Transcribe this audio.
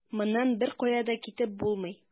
Моннан беркая да китеп булмый.